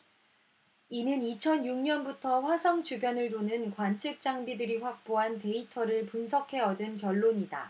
이는 이천 육 년부터 화성 주변을 도는 관측 장비들이 확보한 데이터를 분석해 얻은 결론이다